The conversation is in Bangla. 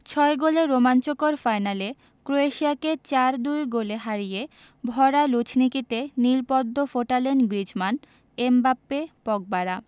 ছয় গোলের রোমাঞ্চকর ফাইনালে ক্রোয়েশিয়াকে ৪ ২ গোলে হারিয়ে ভরা লুঝনিকিতে নীল পদ্ম ফোটালেন গ্রিজমান এমবাপ্পে পগবারা